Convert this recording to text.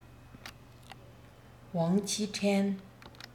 ཝང ཆི ཧྲན